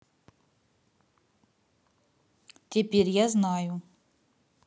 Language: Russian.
теперь я знаю